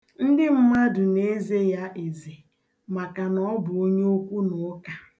Ndị mmadụ na-eze ya eze maka na ọ bụ onye okwunụka.